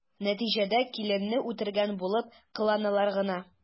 Нәтиҗәдә киленне үтергән булып кыланалар гына.